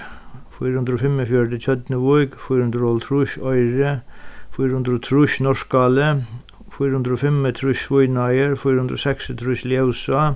fýra hundrað og fimmogfjøruti tjørnuvík fýra hundrað og hálvtrýss oyri fýra hundrað og trýss norðskáli fýra hundrað og fimmogtrýss svínáir fýra hundrað og seksogtrýss ljósá